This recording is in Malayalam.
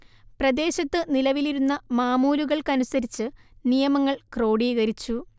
പ്രദേശത്ത് നിലവിലിരുന്ന മാമൂലൂകൾക്കനുസരിച്ച് നിയമങ്ങൾ ക്രോഡീകരിച്ചു